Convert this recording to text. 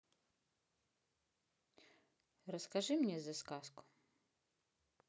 расскажи мне the сказку